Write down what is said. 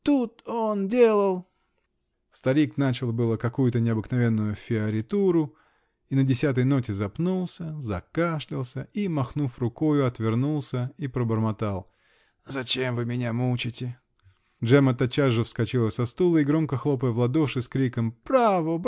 Тут он делал -- Старик начал было какую-то необыкновенную фиоритуру -- и на десятой ноте запнулся, закашлялся и, махнув рукою, отвернулся и пробормотал: "Зачем вы меня мучите?" Джемма тотчас же вскочила со стула и, громко хлопая в ладоши, с криком: "Браво!.